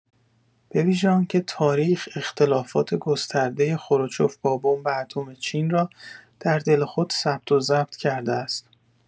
بویژه آنکه تاریخ اختلافات گسترده خروشچف با بمب اتم چین را در دل خود ثبت و ضبط کرده است!